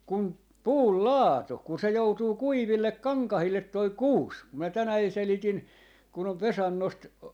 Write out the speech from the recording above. kun puun laatu kun se joutuu kuiville kankaille tuo kuusi kun minä tänään selitin kun on Vesannosta